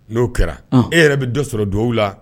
N'o kɛra e yɛrɛ bɛ dɔ sɔrɔ don la